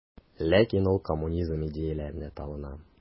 Ләкин ул коммунизм идеяләренә табына.